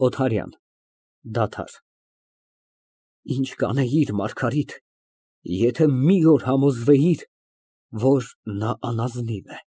ՕԹԱՐՅԱՆ ֊ (Դադար) Ի՞նչ կանեիր, Մարգարիտ, եթե մի օր համոզվեիր, որ նա անազնիվ է։